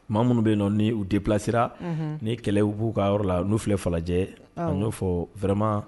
Maa minnu bɛ yen nɔn ni u den bilasira ni kɛlɛw b'u ka yɔrɔ la n'u filɛ falajɛ a'o fɔ vma